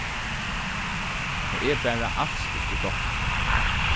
tað er bara als ikki gott